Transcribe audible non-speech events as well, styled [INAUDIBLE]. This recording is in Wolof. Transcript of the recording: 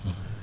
[HESITATION] [HESITATION]